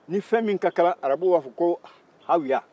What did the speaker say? nin fɛn min ka kalan arabuw b'a fɔ ko hawuya